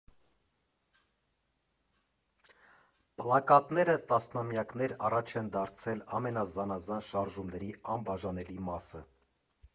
Պլակատները տասնամյակներ առաջ են դարձել ամենազանազան շարժումների անբաժանելի մասը։